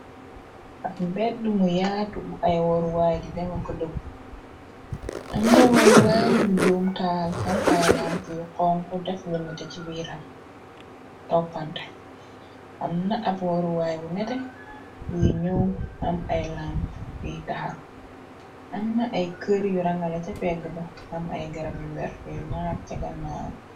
ab mbedd mu yaatu bu ay waruwaay di dewa ko dëgb amna waruwaay bu doom taal xan ay làmp yu xonku def lu nete ci biram toppante amna ab waruwaay bu nete yi ñuw am ay lamp yuy taxar amna ay kër yu rangala ca pegg ba ndam ay garab yu werte yu naat ca gannaar